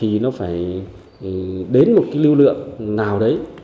thì nó phải đến một lưu lượng nào đấy